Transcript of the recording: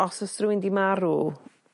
Os o's rwun 'di marw,